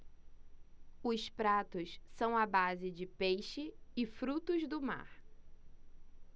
os pratos são à base de peixe e frutos do mar